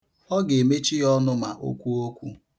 Ọ ga-emechi ya ọnụ ma o kwuo okwu.